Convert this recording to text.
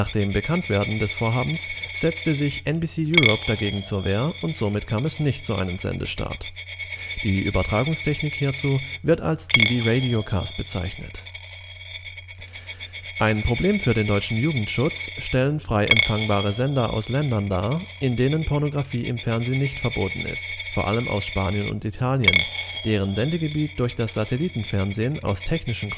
dem Bekanntwerden des Vorhabens setzte sich NBC Europe dagegen zur Wehr und somit kam es nicht zu einem Sendestart. Die Übertragungstechnik hierzu wird als TV Radio Cast bezeichnet. Ein Problem für den deutschen Jugendschutz stellen frei empfangbare Sender aus Ländern dar, in denen Pornografie im Fernsehen nicht verboten ist, vor allem aus Spanien und Italien, deren Sendegebiet durch das Satellitenfernsehen aus technischen